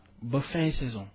ba fin saison